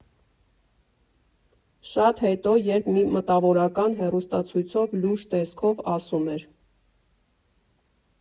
Շատ հետո, երբ մի մտավորական հեռուստացույցով լուրջ տեսքով ասում էր.